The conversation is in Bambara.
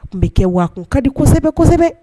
A un bɛ kɛ, wa a tun ka di kosɛbɛ kosɛbɛ.